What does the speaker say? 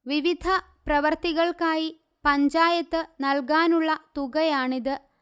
വിവിധ പ്രവൃത്തികൾക്കായി പഞ്ചായത്ത് നല്കാനുള്ള തുകയാണിത്